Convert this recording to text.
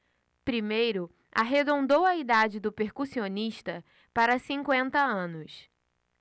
primeiro arredondou a idade do percussionista para cinquenta anos